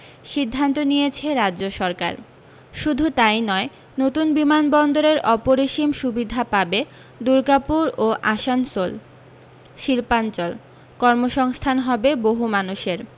সিদ্ধান্ত নিয়েছে রাজ্য সরকার শুধু তাই নয় নতুন বিমানবন্দরের অপরিসীম সুবিধা পাবে দুর্গাপুর ও আসানসোল শিল্পাঞ্চল কর্মসংস্থান হবে বহু মানুষের